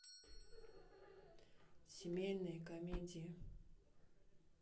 семейные комедии